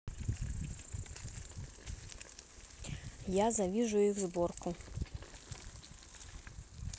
я завижу их сборку